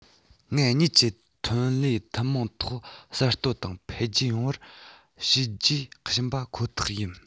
ངེད གཉིས ཀྱི ཐོན ལས ཐུན མོང ཐོག གསར གཏོད དང འཕེལ རྒྱས ཡོང བར བྱེད རྒྱུ བྱིན པ ཁོ ཐག ཡིན